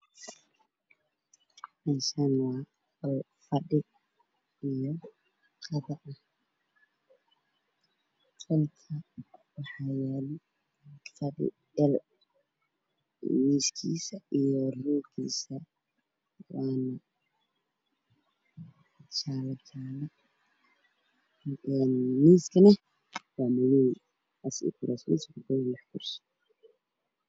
Meeshan waa qolfadhi waxayaala waxayaalo fadhi iyomiis